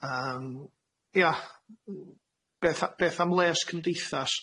Yym, ia, beth a- beth am les cymdeithas?